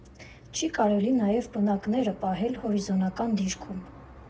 Չի կարելի նաև պնակները պահել հորիզոնական դիրքում։